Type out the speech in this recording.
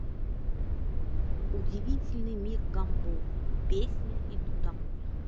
удивительный мир гамбола песня иду домой